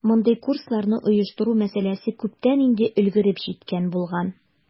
Мондый курсларны оештыру мәсьәләсе күптән инде өлгереп җиткән булган.